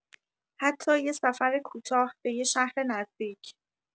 حتی یه سفر کوتاه به یه شهر نزدیک.